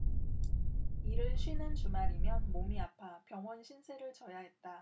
일을 쉬는 주말이면 몸이 아파 병원 신세를 져야 했다